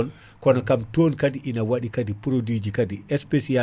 kono kam ton kaadi ina waɗi kaadi produit ji kaadi spécial